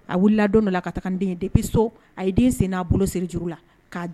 A wulila don dɔ la a ye den sen'a bolo siri juru la